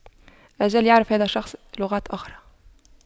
أجل يعرف هذا الشخص لغات أخرى